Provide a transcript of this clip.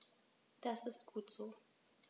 Das ist gut so.